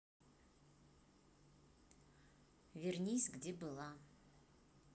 вернись где была